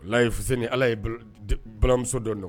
Walayi Fuseni Ala ye balimamuso dɔ dɔn